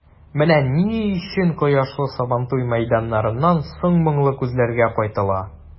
Менә ни өчен кояшлы Сабантуй мәйданнарыннан соң моңлы күзләргә кайтыла.